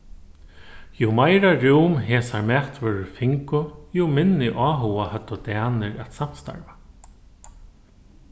jú meira rúm hesar matvørur fingu jú minni áhuga høvdu danir at samstarva